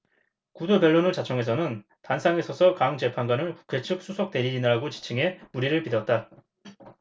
구두변론을 자청해서는 단상에 서서 강 재판관을 국회 측 수석대리인이라고 지칭해 물의를 빚었다